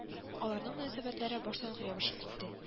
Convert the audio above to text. Аларның мөнәсәбәтләре баштан ук ябышып китте